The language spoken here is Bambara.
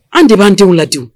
An de'an denww ladi